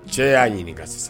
Cɛ y'a ɲininka sisan